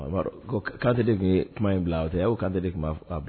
Ɔ i b'a dɔn ko k Kante de kun yee kuma in bila a o tɛ a e ko Kante de kun b'a f k'a b